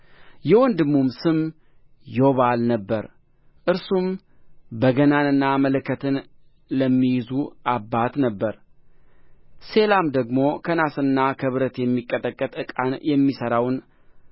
የወንድሙም ስም ዩባል ነበረ እርሱም በገናንና መለከትን ለሚይዙ አባት ነበረ ሴላም ደግሞ ከናስና ከብረት የሚቀጠቀጥ ዕቃን የሚሠራውን